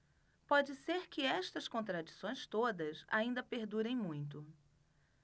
pode ser que estas contradições todas ainda perdurem muito